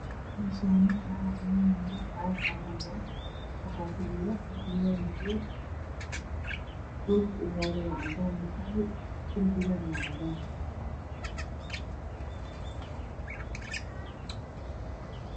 Meshani waa ino yalo caag cadan ah waxa kujiro sarwal madow ah dhulka ow yalo waa cadan io qahwi darbigan waa cadan